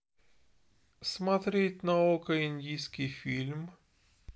смотреть на окко индийский фильм